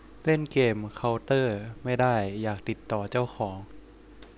เล่นเกมเค้าเตอร์ไม่ได้อยากติดต่อเจ้าของ